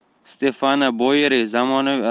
stefano boyeri zamonaviy